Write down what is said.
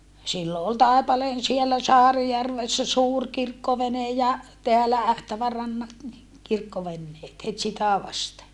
silloin oli Taipaleen siellä Saarijärvessä suuri kirkkovene ja täällä Ähtävärannat niin kirkkoveneet heti sitä vasten